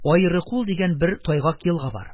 Аеры кул дигән бер тайгак елга бар.